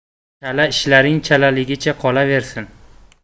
chala ishlaring chalaligicha qolaversin